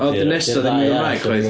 Oedd y nesaf ddim y Gymraeg chwaith.